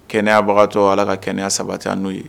Kɛnɛyabagatɔ Ala ka kɛnɛya sabati an n'o ye